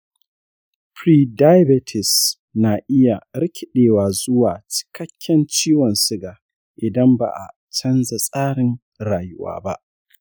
prediabetes na iya rikidewa zuwa cikakken ciwon suga idan ba a canza tsarin rayuwa ba.